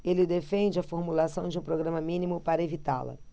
ele defende a formulação de um programa mínimo para evitá-la